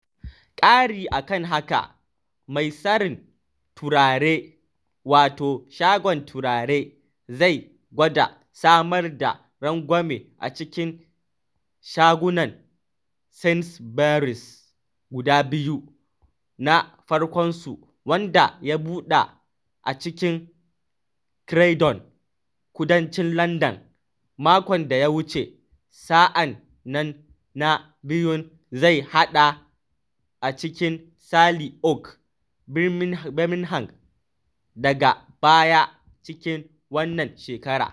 Ƙari a kan haka, mai sarin turare wato Shagon Turare zai gwada samar da rangwame a cikin shagunan Sainsbury's guda biyu, na farkonsu wanda ya buɗe a cikin Croydon, kudancin Landan, makon da ya wuce sa’an nan na biyun zai buɗe a cikin Selly Oak, Birmingham, daga baya cikin wannan shekarar.